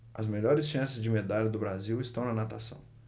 as melhores chances de medalha do brasil estão na natação